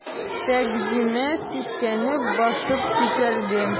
Тәгъзимә сискәнеп башын күтәрде.